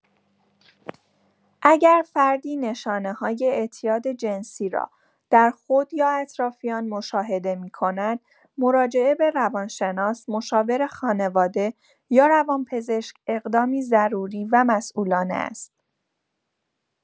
اگر فردی نشانه‌های اعتیاد جنسی را در خود یا اطرافیان مشاهده می‌کند، مراجعه به روان‌شناس، مشاور خانواده یا روان‌پزشک اقدامی ضروری و مسئولانه است.